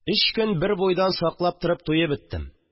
Өч көн бербуйдан саклап торып туеп беттем